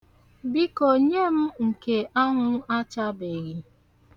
Biko nye m nke anwụ achabeghị.